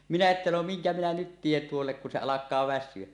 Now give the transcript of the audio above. minä että no minkä minä nyt teen tuolle kun se alkaa väsyä